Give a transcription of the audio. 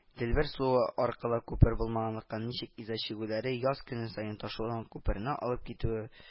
Делбер суы аркылы күпер булмаганлыкка ничек иза чигүләре, яз көне саен ташуга күперне алып китүе